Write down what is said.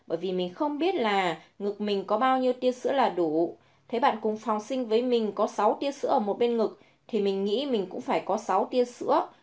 bởi vì mình không biết là ngực mình có bao nhiêu tia sữa là đủ thấy bạn cùng phòng sinh với mình có tia sữa ở bên ngực thì mình nghĩ mình cũng phải có tia sữa